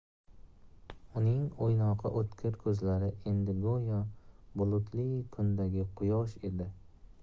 uning o'ynoqi o'tkir ko'zlari endi go'yo bulutli kundagi quyosh edi